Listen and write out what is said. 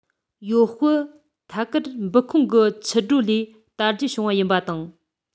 གཡོ སྤུ ཐར ཀར འབུ ཁུང གི མཆུ སྒྲོ ལས དར རྒྱས བྱུང བ ཡིན པ དང